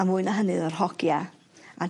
A mwy na hynny o'dd yr hogia a...